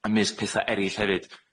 ymysg petha erill hefyd.